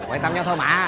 hỏi thăm nhau thôi mà